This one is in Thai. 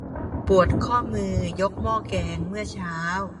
ปวดข้อมือยกหม้อแกงเมื่อเช้า